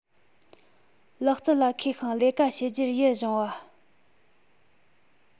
ལག རྩལ ལ མཁས ཤིང ལས ཀ བྱེད རྒྱུར ཡིད གཞུངས པ